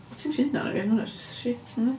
Ti'm isio hynna nagoes, ma' hynna'n jyst shit yndi?